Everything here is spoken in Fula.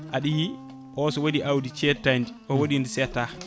aɗa yiiya o so waɗi awdi cettadi o waɗi ndi settaka